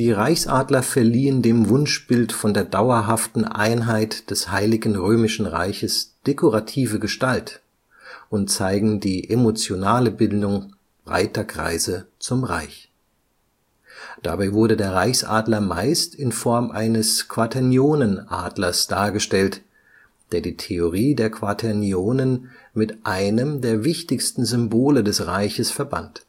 Reichsadler verliehen dem Wunschbild von der dauerhaften Einheit des Heiligen Römischen Reiches dekorative Gestalt und zeigen die emotionale Bindung breiter Kreise zum Reich. Dabei wurde der Reichsadler meist in Form eines Quaternionenadlers dargestellt, der die Theorie der Quaternionen mit einem der wichtigsten Symbole des Reiches verband